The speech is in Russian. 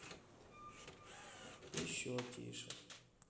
еще тише